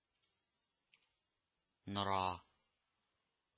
Нора…